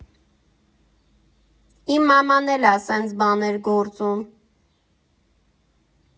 Իմ մաման էլ ա սենց բաներ գործում։